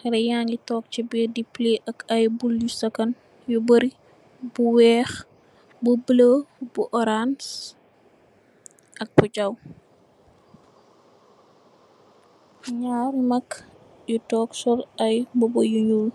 haleh yage tonke se birr de pelay ak aye bull yu sakan yu bary bu weex bu bulo bu orance ak bu jaw nyari mag yu tonke sol aye muba yu nuul.